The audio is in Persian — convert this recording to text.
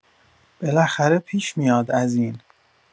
بالاخره پیش میاد از این